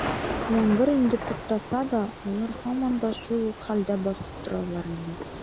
Яңгыр инде туктаса да, алар һаман да шул ук хәлдә басып торалар иде.